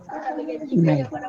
Wa